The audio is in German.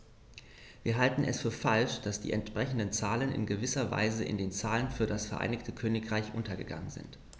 Wir halten es für falsch, dass die entsprechenden Zahlen in gewisser Weise in den Zahlen für das Vereinigte Königreich untergegangen sind.